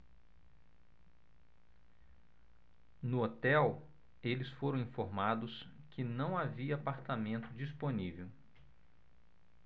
no hotel eles foram informados que não havia apartamento disponível